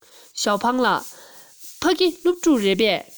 ཞའོ ཧྥུང ལགས ཕ གི སློབ ཕྲུག རེད པས